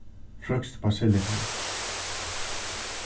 frískt basilikum